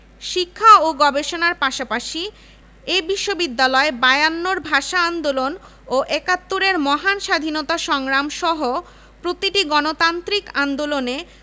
শিক্ষা ও গবেষণার পাশাপাশি এ বিশ্ববিদ্যালয় বায়ান্নর ভাষা আন্দোলন ও একাত্তরের মহান স্বাধীনতা সংগ্রাম সহ প্রতিটি গণতান্ত্রিক আন্দোলনে